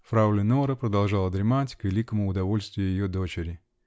Фрау Леноре продолжала дремать, к великому удовольствию ее дочери.